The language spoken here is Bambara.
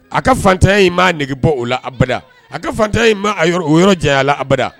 A ka fantanya in m'a negebɔ o la abada a ka fantanya in ma a yɔrɔ o yɔrɔ jaɲ'a la abada